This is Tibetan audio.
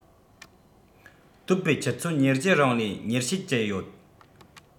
གཏོད པའི ཆུ ཚོད ༢༤ རིང ལས གཉེར བྱེད ཀྱི ཡོད